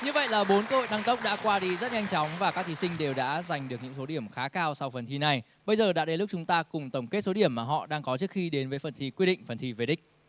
như vậy là bốn cơ hội tăng tốc đã qua đi rất nhanh chóng và các thí sinh đều đã giành được những số điểm khá cao sau phần thi này bây giờ đã đến lúc chúng ta cùng tổng kết số điểm mà họ đang có trước khi đến với phần thi quyết định phần thi về đích